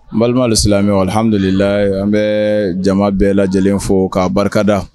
N balima alisilamɛw alihamudulilayi an bɛ jama bɛɛ lajɛlen fa k'a barikada